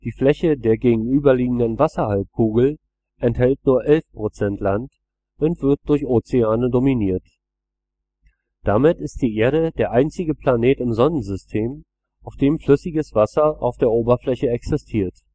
Fläche der gegenüberliegenden Wasserhalbkugel enthält nur 11 % Land und wird durch Ozeane dominiert. Damit ist die Erde der einzige Planet im Sonnensystem, auf dem flüssiges Wasser auf der Oberfläche existiert